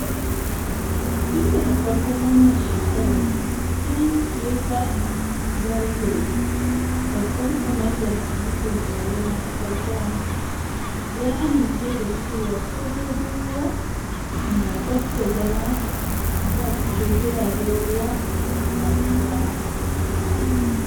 Tun da farkon wannan shekarar, Hans-Peter Bartels, babban kwamandan kwamitin tsaro na ƙasar Jamus, ya amince da cewa sojojin ruwa "na dab da zama basu da jiragen ruwa masu dama."